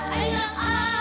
là ai